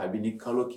Kabini kalo k